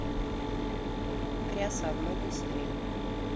креосан новые серии